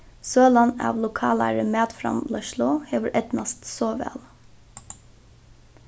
sølan av lokalari matframleiðslu hevur eydnast so væl